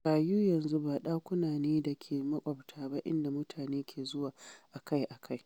“Mashayu yanzu ba ɗakuna ne da ke makwaɓta ba inda mutane ke zuwa a-kai-a-kai.”